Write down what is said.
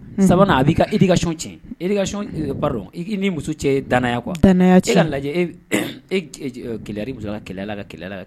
Unhun;3 nan a b'i ka éducation cɛn, éducation ɛɛ pardon i n'i muso cɛ danya quoi ;Danaya cɛn;E ka ni lajɛ, e e ɔ ka keleya i muso la, ka keleyala ka keleya ka